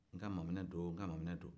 n ka maminɛ don n ka maminɛ don